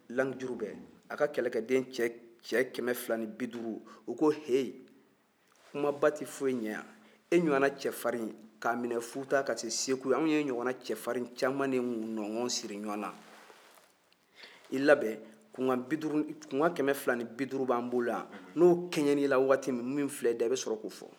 langi jurubɛ a ka kɛlɛkɛden cɛ kɛmɛ fila ni bi duuru u ko yehi kumaba tɛ foyi ɲɛ yan e ɲɔgɔnna cɛfarin k'a minɛ futa ka se segu an ye ɲɔgɔnna cɛfarin caman de nɔngɔn siri ɲɔgɔn na i labɛn kunkan kɛmɛ fila ni bi duuru b'an bolo yan n'olu kɛɲɛn'i la waati min min filɛ i da i bɛ sɔrɔ k'o fɔ